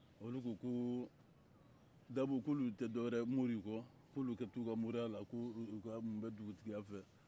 olu ko ko dabo k'olu tɛ dɔwɛrɛ moriw kɔ k'olu ka to u ka moriya k'olu ka mun bɛ dugutiya fɛ